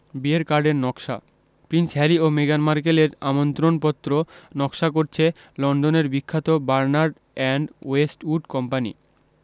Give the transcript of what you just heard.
বিয়ের কার্ডের নকশা প্রিন্স হ্যারি ও মেগান মার্কেলের আমন্ত্রণপত্র নকশা করছে লন্ডনের বিখ্যাত বার্নার্ড অ্যান্ড ওয়েস্টউড কোম্পানি